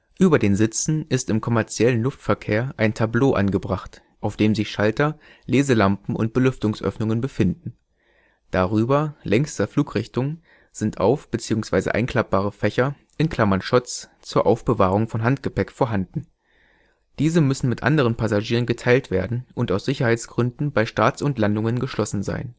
Über den Sitzen ist im kommerziellen Luftverkehr ein Tableau angebracht, auf dem sich Schalter, Leselampen und Belüftungsöffnungen befinden. Darüber – längs der Flugrichtung – sind auf -/ einklappbare Fächer (Schotts) zur Aufbewahrung von Handgepäck vorhanden. Diese müssen mit anderen Passagieren geteilt werden und aus Sicherheitsgründen bei Starts und Landungen geschlossen sein